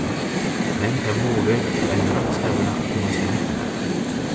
men tær mugu vera í einum rættstavara um hann skal nytta nakað